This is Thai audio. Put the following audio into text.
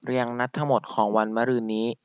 เรียงนัดทั้งหมดของวันมะรืนนี้